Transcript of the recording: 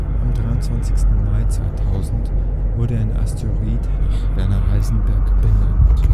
Am 23. Mai 2000 wurde ein Asteroid nach Werner Heisenberg benannt